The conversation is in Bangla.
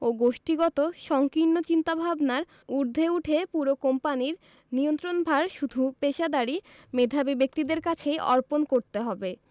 ও গোষ্ঠীগত সংকীর্ণ চিন্তাভাবনার ঊর্ধ্বে উঠে পুরো কোম্পানির নিয়ন্ত্রণভার শুধু পেশাদারি মেধাবী ব্যক্তিদের কাছেই অর্পণ করতে হবে